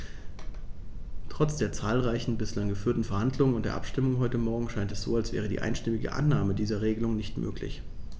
Trotz der zahlreichen bislang geführten Verhandlungen und der Abstimmung heute Morgen scheint es so, als wäre die einstimmige Annahme dieser Regelung nicht möglich.